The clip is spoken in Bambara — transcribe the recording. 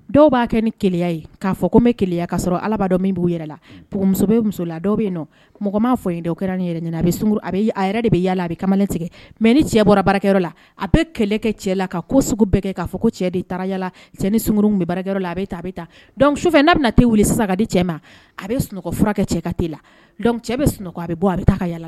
Dɔw b'a kɛ ni ke'a ko ka sɔrɔ ala dɔn min b'u lala dɔw bɛ fɔ kɛra ɲɛna a a yɛrɛ de bɛ a bɛ kamalen tigɛ mɛ ni cɛ bɔrakɛ la a bɛ kɛlɛkɛ cɛ la ka ko sugu bɛɛ kɛ'a fɔ ko cɛ dela cɛ ni sun bɛ baara la a a taa su fɛ bɛna wuli sisan ka di cɛ ma a bɛ sunɔgɔf furakɛ cɛ ka la cɛ bɛ sunɔgɔ a bɔ a bɛ ta yala la